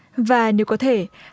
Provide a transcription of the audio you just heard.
và nếu có thể